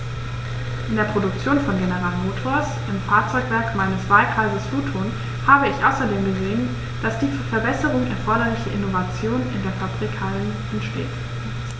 In der Produktion von General Motors, im Fahrzeugwerk meines Wahlkreises Luton, habe ich außerdem gesehen, dass die für Verbesserungen erforderliche Innovation in den Fabrikhallen entsteht.